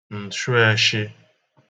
ǹshụaẹshị̄